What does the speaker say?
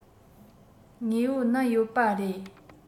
དངོས པོ བསྣན ཡོད པ རེད